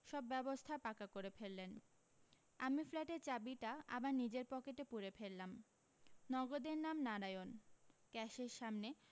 সব ব্যবস্থা পাকা করে ফেললেন আমি ফ্ল্যাটের চাবিটা আবার নিজের পকেটে পুরে ফেললাম নগদের নাম নারায়ণ ক্যাশের সামনে